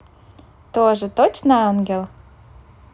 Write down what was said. тоже точно ангел